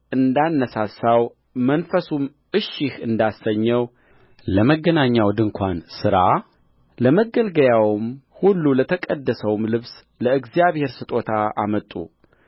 እንዳነሣሣው መንፈሱም እሺ እንዳሰኘው ለመገናኛው ድንኳን ሥራ ለማገልገያውም ሁሉ ለተቀደሰውም ልብስ ለእግዚአብሔር ስጦታ አመጡ